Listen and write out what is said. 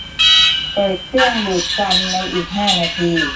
เปิดเครื่องดูดควันในอีกห้านาที